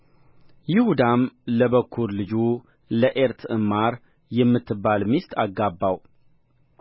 ይሁዳም ለበኵር ልጁ ለዔር ትዕማር የምትባል ሚስት አጋባው